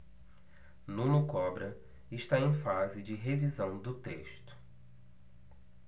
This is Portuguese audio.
nuno cobra está em fase de revisão do texto